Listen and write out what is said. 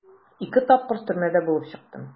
Ике тапкыр төрмәдә булып чыктым.